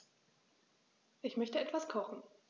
Ich möchte etwas kochen.